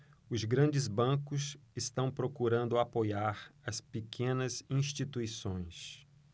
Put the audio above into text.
os grandes bancos estão procurando apoiar as pequenas instituições